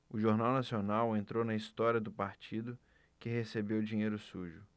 o jornal nacional entrou na história do partido que recebeu dinheiro sujo